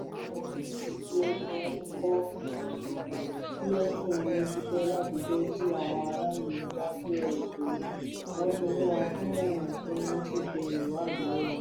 Lẹ́yìn ọdún méjì tí ó ti ń kọ tí ó sì ń ṣiṣẹ́ láti jẹ́ kí àwọn ará ìlú dá sí ọ̀rọ̀ òṣèlú, wọ́n ti mú wa fún ọ̀ràn tí wọ́n sì ṣe ìwádìí lórí wa.